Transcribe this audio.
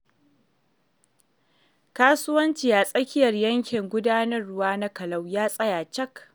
Kasuwanci a tsakiyar yankin gudanarwa na Kalou ya tsaya cak.